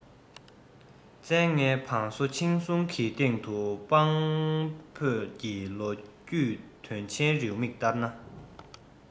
བཙན ལྔའི བང སོ འཆིང གསུང གི རྟེན དུ དཔང བོད ཀྱི ལོ རྒྱུས དོན ཆེན རེའུ མིག ལྟར ན